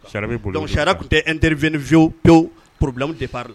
Sariya be boli olu de kan . Sariya kun tɛ intervenu fiyewu pewu problème de p